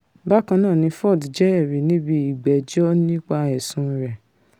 Bákannáà ni Ford jẹ́ ẹ̀rí níbi ìgbẹ́jọ́ nípa ẹ̀sùn rẹ̀.